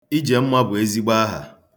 Ijemma bụ ezigbo aha.